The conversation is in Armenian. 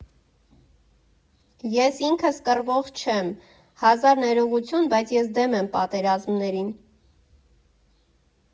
Ես ինքս կռվող չեմ, հազար ներողություն, բայց ես դեմ եմ պատերազմներին։